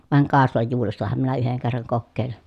vain kaislajuurestahan minä yhden kerran kokeilin